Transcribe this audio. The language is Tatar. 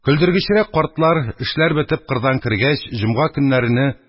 Көлдергечрәк картлар, эшләр бетеп кырдан кергәч, җомга көннәрне